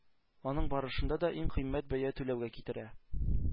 Аның барышында да иң кыйммәт бәя түләүгә китерә.